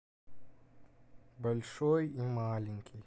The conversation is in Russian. большой и маленький